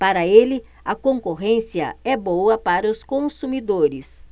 para ele a concorrência é boa para os consumidores